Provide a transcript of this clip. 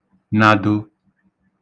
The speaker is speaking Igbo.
nādō